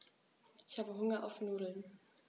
Ich habe Hunger auf Nudeln.